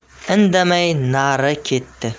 indamay nari ketdi